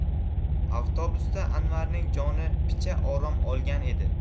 avtobusda anvarning joni picha orom olgan edi